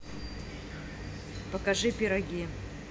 покажи пироги